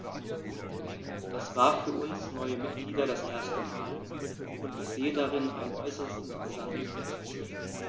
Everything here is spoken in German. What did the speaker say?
Das war für uns neue Mitglieder das erste Mal, und ich sehe darin einen äußerst interessanten Prozess.